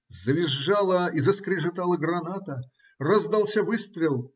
Завизжала и заскрежетала граната, раздался выстрел.